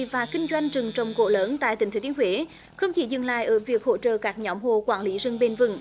và kinh doanh rừng trồng gỗ lớn tại tỉnh thừa thiên huế không chỉ dừng lại ở việc hỗ trợ các nhóm hộ quản lý rừng bền vững